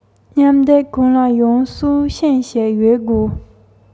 མཉམ སྡེབ གང ལ ཡང སྲོག ཤིང ཞིག ཡོད དགོས